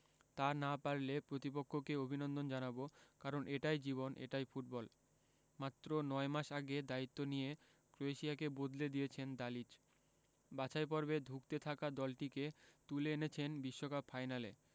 তা না পারলে প্রতিপক্ষকে অভিনন্দন জানাব কারণ এটাই জীবন এটাই ফুটবল মাত্র ৯ মাস আগে দায়িত্ব নিয়ে ক্রোয়েশিয়াকে বদলে দিয়েছেন দালিচ বাছাই পর্বে ধুঁকতে থাকা দলটিকে তুলে এনেছেন বিশ্বকাপ ফাইনালে